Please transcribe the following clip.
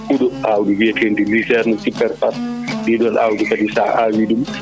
huuɗo awdi wiyetedi * ndi ɗon awdi kadi sa awiɗum